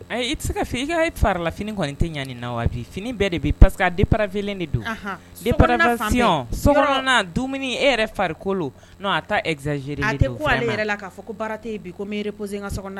I tɛ se ka fɛ i ka e fara la fini kɔni tɛ ɲaani na wa bi fini bɛɛ de bɛ paseke bararafe de don so dumuni e yɛrɛ fari a taa ezze yɛrɛ la'a fɔ ko baara birepe ka so